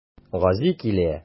Гази килә.